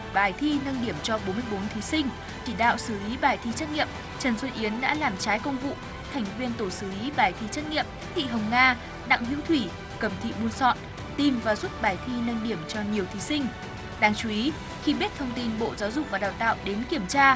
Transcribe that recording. bài thi nâng điểm cho bốn mươi bốn thí sinh chỉ đạo xử lý bài thi trắc nghiệm trần xuân yến đã làm trái công vụ thành viên tổ xử lý bài thi trắc nghiệm thị hồng nga đặng hữu thủy cầm thị bun sọn tìm và rút bài thi nâng điểm cho nhiều thí sinh đáng chú ý khi biết thông tin bộ giáo dục và đào tạo đến kiểm tra